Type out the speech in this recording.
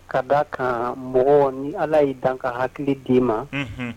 Ka da kan mɔgɔ ni ala y'i dan ka hakili d' ma